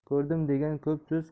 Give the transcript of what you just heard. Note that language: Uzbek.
ko'rdim degan ko'p so'z